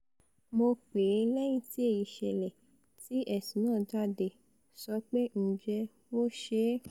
Mo pè é lẹ́yìn tí èyí ṣẹlẹ̀, tí ẹ̀sùn náà jáde, sọ pé 'Ǹjẹ́ ó ṣe é?'